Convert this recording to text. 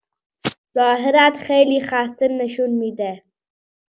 ظاهرت خیلی خسته نشون می‌ده.